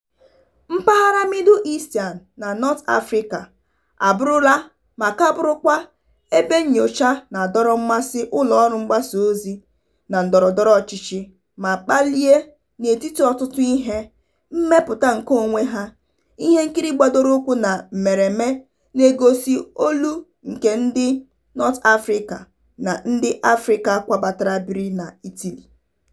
Mpaghara Middle Eastern na North Africa (MENA) abụrụla (ma ka burukwa) ebe nyocha na-adọrọ mmasị ụlọọrụ mgbasaozi na ndọrọndọrọ ọchịchị ma kpalie, n'etiti ọtụtụ ihe, mmepụta keonwe ha, ihe nkiri gbadoroukwu na mmereme na-egosi olu nke ndị North Africa na ndị Afrịka kwabatara biri na Italy.